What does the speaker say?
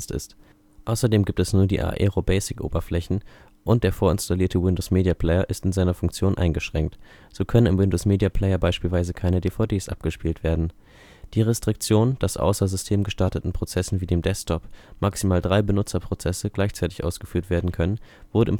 ist. Außerdem gibt es nur die Aero-Basic-Oberflächen und der vorinstallierte Windows Media Player ist in seiner Funktion eingeschränkt. So können im Windows Media Player beispielsweise keine DVDs abgespielt werden. Die Restriktion, dass außer systemgestarteten Prozessen (wie dem Desktop) maximal drei Benutzerprozesse gleichzeitig ausgeführt werden können, wurde